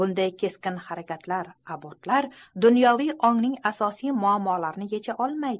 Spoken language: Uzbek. bunday keskin harakatlar abortlar dunyoviy ongning asosiy muammolarini yecha olmaydi